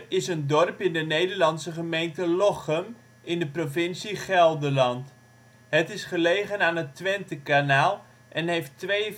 is een dorp in de Nederlandse gemeente Lochem, provincie Gelderland. Het is gelegen aan het Twentekanaal en heeft 4242